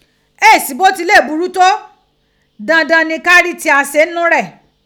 E sí bó ti lè burú tó, dandan ni ka rí tia ṣe n nú rẹ̀.